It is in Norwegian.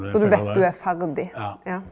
så du veit du er ferdig ja?